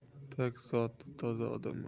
tag zoti toza odamlar